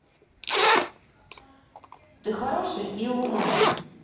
ты хороший и умный